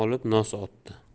olib nos otdi